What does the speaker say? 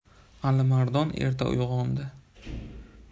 alimardon erta uyg'ondi